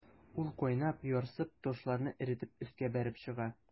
Ул кайнап, ярсып, ташларны эретеп өскә бәреп чыга.